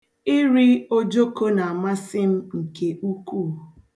Iri ojoko na-amasị m nke ukwuu.